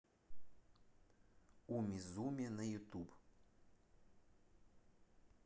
умизуми на ютуб